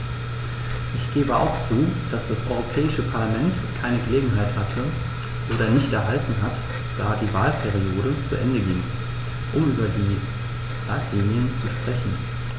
Ich gebe auch zu, dass das Europäische Parlament keine Gelegenheit hatte - oder nicht erhalten hat, da die Wahlperiode zu Ende ging -, um über die Leitlinien zu sprechen.